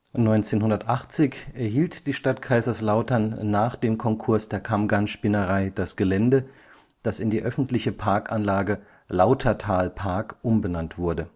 1980 erhielt die Stadt Kaiserslautern – nach dem Konkurs der Kammgarn-Spinnerei – das Gelände, das in die öffentlichen Parkanlage „ Lautertalpark “umbenannt wurde